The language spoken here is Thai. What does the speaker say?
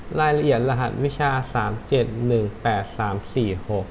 รายละเอียดรหัสวิชาสามเจ็ดหนึ่งแปดสามสี่หก